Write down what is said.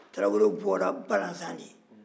taarawelew bɔra balanzan de